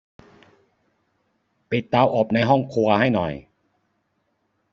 ปิดเตาอบในห้องครัวให้หน่อย